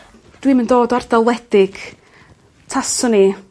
Dwi'm yn dod o ardal wledig taswn i